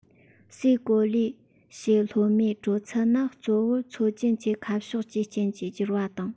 སའི གོ ལའི ཕྱེད ལྷོ མའི དྲོ ཚད ནི གཙོ བོ མཚོ རྒྱུན གྱི ཁ ཕྱོགས ཀྱི རྐྱེན གྱིས བསྒྱུར པ དང